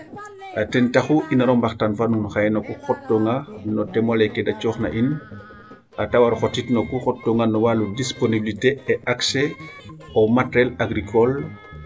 Ten taxu i mbar o mbaxtaan fa nuun xaye no ku xotoona no thème ole ta cooxna in ta war o xotit no kuu xottoona no walu disponiblité et accés au materiel agricole.